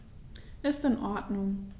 Ist in Ordnung.